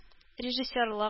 Режиссерлык